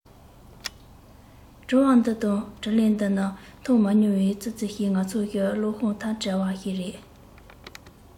དྲི བ འདི དང དྲིས ལན འདི ནི མཐོང མ མྱོང བའི ཙི ཙི བཞིན ང ཚོའི བློར ཤོང ཐབས བྲལ བ ཞིག རེད